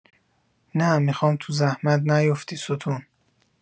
نه، میخوام تو زحمت نیوفتی ستون